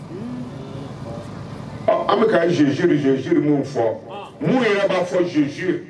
An bɛ ka zz zzri min fɔ minnu yɛrɛ b'a fɔ zzsiw